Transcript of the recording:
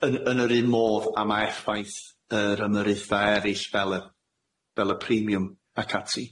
Yn yn yr un modd a ma' effaith yr ymyrithfa eryll fel yy fel y premium ac ati.